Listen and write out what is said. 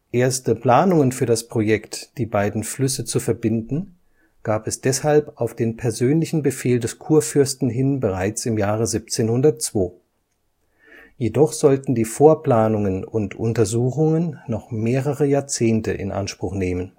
Erste Planungen für das Projekt, die beiden Flüsse zu verbinden, gab es deshalb auf den persönlichen Befehl des Kurfürsten hin bereits im Jahre 1702. Jedoch sollten die Vorplanungen und Untersuchungen noch mehrere Jahrzehnte in Anspruch nehmen